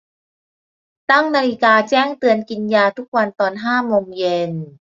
ตั้งนาฬิกาแจ้งเตือนกินยาทุกวันตอนห้าโมงเย็น